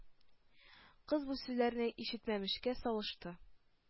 Кыз бу сүзләрне ишетмәмешкә салышты.